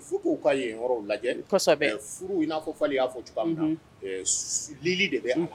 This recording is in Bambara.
Furuw kaa yen lajɛ furu in n'a fɔ y'a fɔ tuli de bɛ